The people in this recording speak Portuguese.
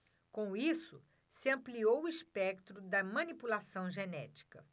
com isso se ampliou o espectro da manipulação genética